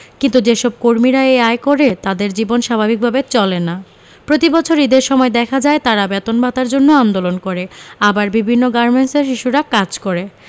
কিন্তু যেসব কর্মীরা এই আয় করে তাদের জীবন স্বাভাবিক ভাবে চলে না প্রতিবছর ঈদের সময় দেখা যায় তারা বেতন ভাতার জন্য আন্দোলন করে আবার বিভিন্ন গার্মেন্টসে শিশুরা কাজ করে